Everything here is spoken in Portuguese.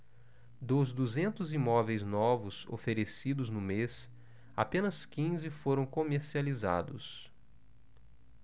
dos duzentos imóveis novos oferecidos no mês apenas quinze foram comercializados